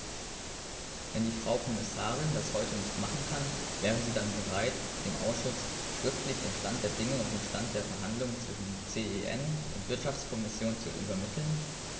Wenn die Frau Kommissarin das heute nicht machen kann, wäre sie dann bereit, dem Ausschuss schriftlich den Stand der Dinge und den Stand der Verhandlungen zwischen CEN und Wirtschaftskommission zu übermitteln?